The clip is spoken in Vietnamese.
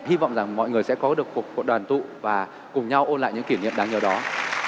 hy vọng rằng mọi người sẽ có được cuộc đoàn tụ và cùng nhau ôn lại những kỷ niệm đáng nhớ đó